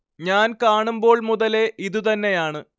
ഞാൻ കാണുമ്പോൾ മുതലേ ഇതു തന്നെയാണ്